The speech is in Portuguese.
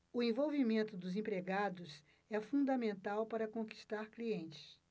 o envolvimento dos empregados é fundamental para conquistar clientes